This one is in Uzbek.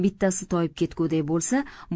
bittasi toyib ketgudek boisa